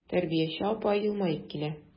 Тәрбияче апа елмаеп килә.